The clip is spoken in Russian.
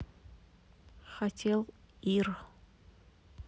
хотел йир